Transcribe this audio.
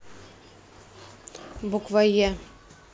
буква е